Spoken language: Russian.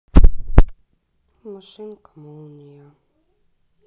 машинка молния